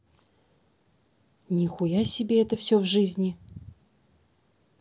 нихуя себе это все в жизни